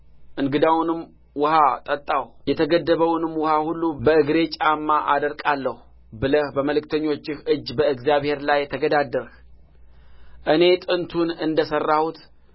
እንግዳውንም ውኃ ጠጣሁ የተገደበውንም ውኃ ሁሉ በእግሬ ጫማ አደርቃለሁ ብለህ በመልእክተኞችህ እጅ በእግዚአብሔር ላይ ተገዳደርህ እኔ ጥንቱን እንደ ሠራሁት